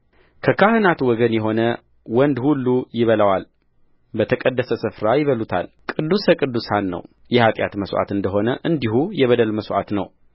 ከካህናት ወገን የሆነ ወንድ ሁሉ ይበላዋል በተቀደሰ ስፍራ ይበሉታል ቅዱስ ቅዱሳን ነውየኃጢአት መሥዋዕት እንደ ሆነ እንዲሁ የበደል መሥዋዕት ነው